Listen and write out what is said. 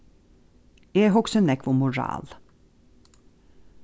eg hugsi nógv um moral